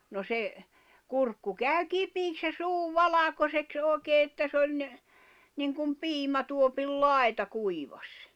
no se kurkku kävi kipeäksi ja suu valkoiseksi oikein että se oli - niin kuin piimätuopin laita kuivasi